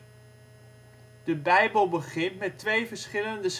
De Bijbel begint met twee verschillende scheppingsverhalen